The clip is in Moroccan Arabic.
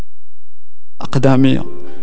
اقدامي